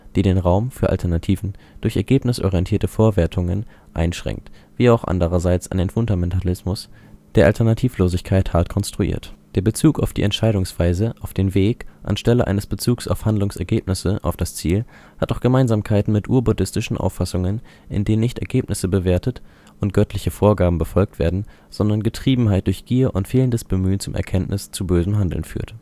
die den Raum für Alternativen durch ergebnisorientierte Vorwertungen einschränkt, wie auch andererseits an den Fundamentalismus, der Alternativlosigkeit hart konstruiert. Der Bezug auf die Entscheidungsweise - auf den Weg - anstelle eines Bezugs auf Handlungsergebnisse - auf das Ziel - hat auch Gemeinsamkeiten mit urbuddhistischen Auffassungen, in denen nicht Ergebnisse bewertet und göttliche Vorgaben befolgt werden, sondern Getriebenheit durch Gier und fehlendes Bemühen um Erkenntnis zu bösem Handeln führt